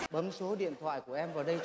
bấm số điện thoại của em vào đây